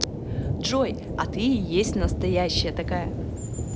джой а ты и есть настоящая такая